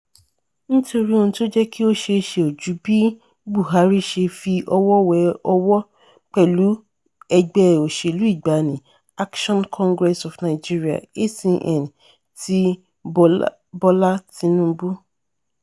Nítorí ohun tí ó jẹ́ kí ó ṣeé ṣe ò ju bí Buhari ṣe fi ọwọ́ wẹ ọwọ́ pẹ̀lú ẹgbẹ́ òṣèlú ìgbàanì Action Congress of Nigeria (ACN) ti Bọ́lá Tinubu.